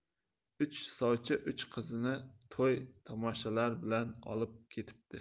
uch sovchi uch qizini to'y tomoshalar bilan olib ketibdi